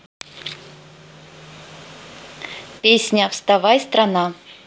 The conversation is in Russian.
песня вставай страна